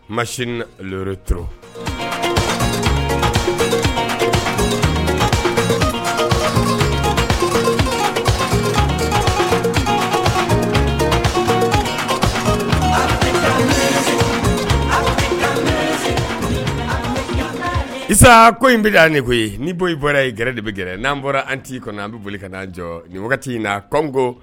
Ma sini turasa ko in bila ni koyi ni'i bɔ i bɔra ye gɛrɛ de bɛ gɛrɛ n'an bɔra an t'i kɔnɔ an bɛ boli ka'an jɔ nin wagati in na koko